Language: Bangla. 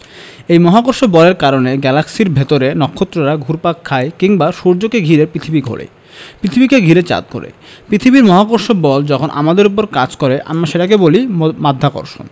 এই মহাকর্ষ বলের কারণে গ্যালাক্সির ভেতরে নক্ষত্ররা ঘুরপাক খায় কিংবা সূর্যকে ঘিরে পৃথিবী ঘোরে পৃথিবীকে ঘিরে চাঁদ ঘোরে পৃথিবীর মহাকর্ষ বল যখন আমাদের ওপর কাজ করে আমরা সেটাকে বলি মাধ্যাকর্ষ